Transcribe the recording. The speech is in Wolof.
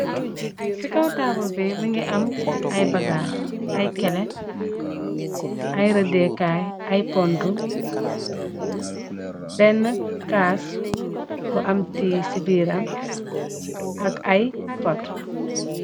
Ci kaw taabul bi mongi am ay bagaaz ay kelé ay rëdekaay ay pontu bena caas bu am tii ci biiram ak ay pot.